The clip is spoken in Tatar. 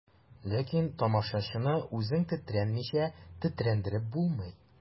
Ләкин тамашачыны үзең тетрәнмичә тетрәндереп булмый.